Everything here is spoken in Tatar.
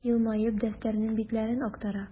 Елмаеп, дәфтәрнең битләрен актара.